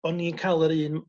o'n ni'n ca'l yr un